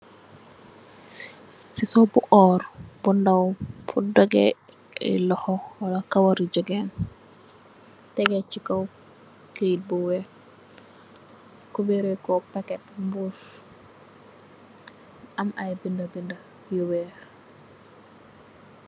Scissor bu orr bu ndaw purr dogeh ay loxho wala kawari jigeen. Tegeh ci kaw keyett bu weex, cubeer reku packet mbuss, am ay binda binda yu weex.